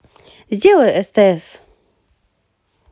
сделай стс